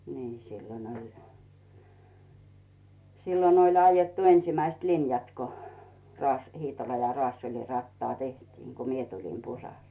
niin silloin oli silloin oli aidattu ensimmäiset linjat kun - Hiitola ja Raasulin rataa tehtiin kun minä tulin Pusalle